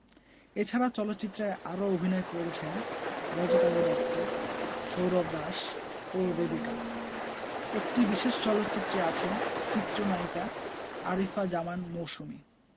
এছাড়াও চলচ্চিত্রে আরও অভিনয় করেছেন রজতাভ দত্ত সৌরভ দাস ও রেবেকা একটি বিশেষ চলচ্চিত্রে আছেন চিত্রনায়িকা আরিফা জামান মৌসুমী